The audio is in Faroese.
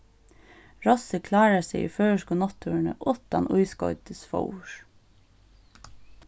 rossið klárar seg í føroysku náttúruni uttan ískoytisfóður